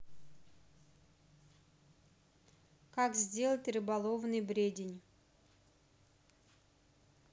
как сделать рыболовный бредень